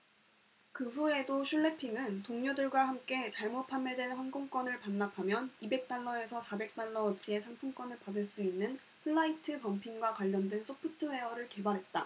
그후에도 슐레핑은 동료들과 함께 잘못 판매된 항공권을 반납하면 이백 달러 에서 사백 달러어치의 상품권을 받을 수 있는 플라이트 범핑과 관련된 소프트웨어를 개발했다